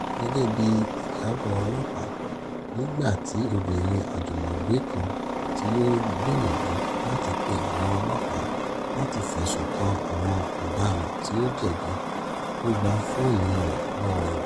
Gẹ́gẹ́ bí ìjábọ̀ ọlọ́pàá, nígbà tí obìnrin àjùmọ̀gbé kan tí ó gbìyànjú láti pe àwọn ọlọ́pàá lati fẹ̀sùn kan àwọn ọ̀daràn tí ó jẹ̀bi,ó gba fóònù rẹ lọwọ́ rẹ̀